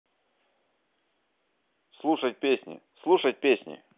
слушать песни слушать песни